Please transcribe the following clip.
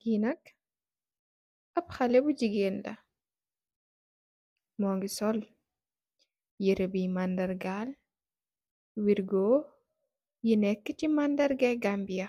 Ki nak ap xalex bu jigeen la mogi sol yereh bi mandargar wergo yu neka si mandarga Gambia